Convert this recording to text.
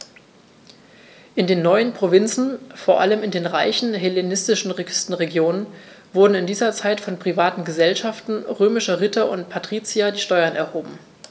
In den neuen Provinzen, vor allem in den reichen hellenistischen Küstenregionen, wurden in dieser Zeit von privaten „Gesellschaften“ römischer Ritter und Patrizier die Steuern erhoben.